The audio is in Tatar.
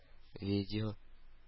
Видео